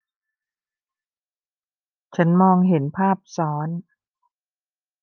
ฉันมองเห็นภาพซ้อน